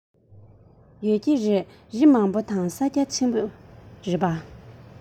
ཡོད ཀྱི རེད རི མང པོ དང ས རྒྱ ཆེན པོ རེད པ